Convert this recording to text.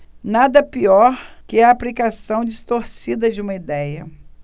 nada pior que a aplicação distorcida de uma idéia